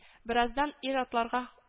Бераздан ир-атларга